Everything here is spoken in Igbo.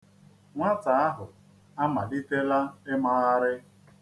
Nwata ahụ amalitela ịmagharị.